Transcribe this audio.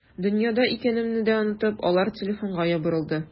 Дөньяда икәнемне дә онытып, алар телефонга ябырылды.